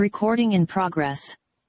Recording in progress.